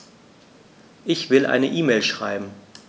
Ich will eine E-Mail schreiben.